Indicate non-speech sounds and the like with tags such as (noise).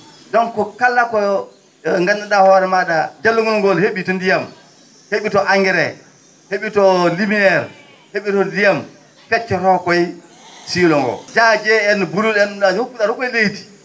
donc kala ko (hesitation) nganndu?aa hoore maa?a jallungol ngol he?ii ndiyam he?ii to engrais he?ii to lumiére he?ii to ndiyam feccoto ko he sillo ngo jaaje en gulut en ?um ?aje fof fu?ata ko he leydi